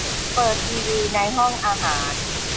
เปิดทีวีในห้องอาหาร